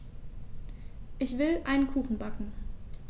Ich will einen Kuchen backen.